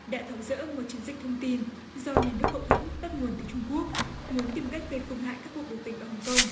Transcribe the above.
đã tháo giỡ một chiến dịch thông tin do nhà nước hậu thuẫn bắt nguồn từ trung quốc muốn tìm cách gây phương hại các cuộc biểu tình ở hồng công